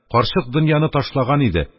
Карчык дөньяны ташлаган иде,